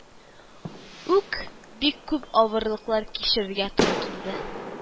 Үк бик күп авырлыклар кичерергә туры